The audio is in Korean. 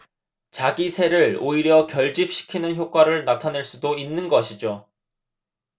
자기 세를 오히려 결집시키는 효과를 나타낼 수도 있는 것이죠